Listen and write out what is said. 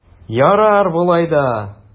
Ярар болай да!